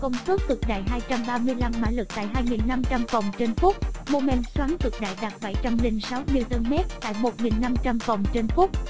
cho công suất cực đại ps tại vòng phút momen xoắn cực đại đạt n m tại vòng phút